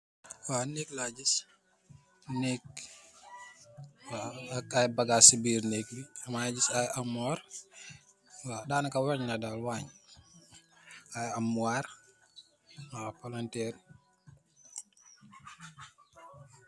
Waw neek la giss neek waw ak aye bagass se birr neek bi mage giss aye armol waw danaka wanch la dal wanch aye armowar wa palanterr.